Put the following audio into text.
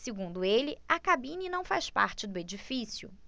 segundo ele a cabine não faz parte do edifício